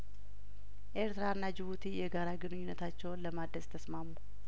ኤርትራና ጅቡቲ የጋራ ግንኙነታቸውን ለማደስ ተስማሙ